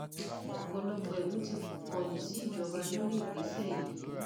"Ọ̀pọ̀lọpọ̀ ìlú ti kọ̀yìn síjọba lórí ìgbésẹ̀ yìí"